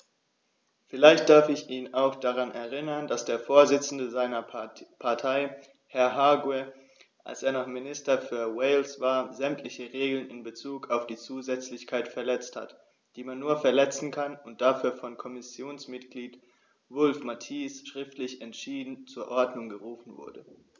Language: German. Vielleicht darf ich ihn auch daran erinnern, dass der Vorsitzende seiner Partei, Herr Hague, als er noch Minister für Wales war, sämtliche Regeln in bezug auf die Zusätzlichkeit verletzt hat, die man nur verletzen kann, und dafür von Kommissionsmitglied Wulf-Mathies schriftlich entschieden zur Ordnung gerufen wurde.